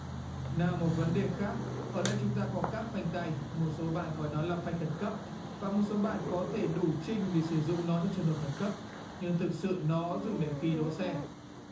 nào một vấn đề khác ở đây chúng ta có cáp phanh tay một số bạn gọi nó là phải khẩn cấp và một số bạn có thể đủ trình để sử dụng nó trong trường hợp khẩn cấp nhưng thực sự nó dùng để khi đỗ xe